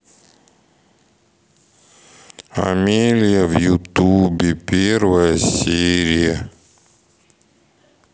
амелия в ютубе первая серия